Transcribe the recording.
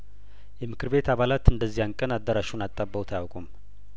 የምክር ቤት አባላት እንደዚያን ቀን አዳራሹን አጣ በውት አያውቁም